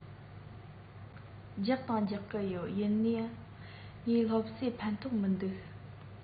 རྒྱག དང རྒྱག གི ཡོད ཡིན ནའི ངའི སློབ གསོས ཕན ཐོགས ཀྱི མི འདུག